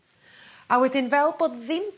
A wedyn fel bod ddim